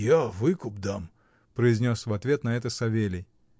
— Я выкуп дам, — произнес в ответ на это Савелий.